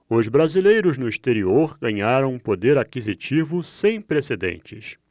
os brasileiros no exterior ganharam um poder aquisitivo sem precedentes